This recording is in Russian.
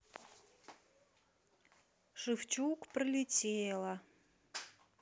шевчук пролетела